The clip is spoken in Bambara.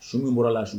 Su min bɔr'a la